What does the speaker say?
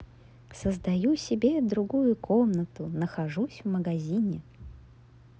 создаю себе другую комнату нахожусь в магазине